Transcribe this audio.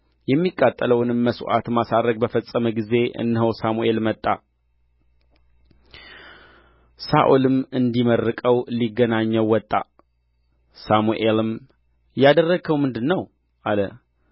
የሚቃጠለውንም መሥዋዕት ማሳረግ በፈጸመ ጊዜ እነሆ ሳሙኤል መጣ ሳኦልም እንዲመርቀው ሊገናኘው ወጣ ሳሙኤልም ያደረግኸው ምንድር ነው አለ